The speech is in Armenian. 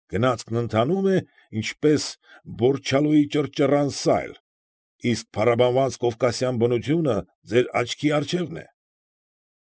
Գնացքն ընթանում է, ինչպես Բորչալուի ճռճռան սայլ, իսկ փառաբանված կովկասյան բնությունը ձեր աչքի առջևն է։